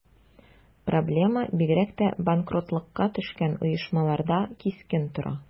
Проблема бигрәк тә банкротлыкка төшкән оешмаларда кискен тора.